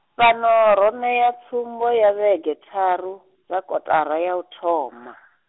fhano ro ṋea tsumbo ya vhege tharu, dza kotara ya u thoma.